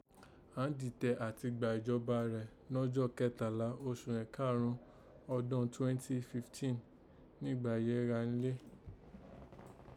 Àán dìtẹ̀ àti gbà ìjọba rẹ nọjọ́ kẹtàlá osùn ẹ̀karùn ún ọdọ́n twenty fifteen nìgbà yìí éè gha nilé